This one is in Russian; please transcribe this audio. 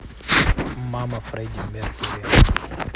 мама фредди меркьюри